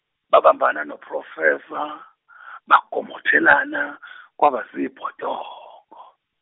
babambana noProfessor bagomothelana kwaba zibhodongo.